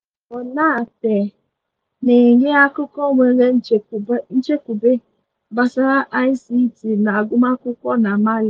Boukary Konaté na-enye akụkọ nwere nchekwube gbasara ICT na agụmakwụkwọ na Mali.